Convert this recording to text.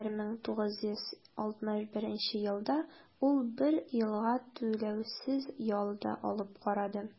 1961 елда ул бер елга түләүсез ял да алып карады.